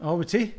O, wyt ti?